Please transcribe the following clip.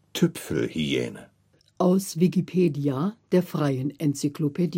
Tüpfelhyäne, aus Wikipedia, der freien Enzyklopädie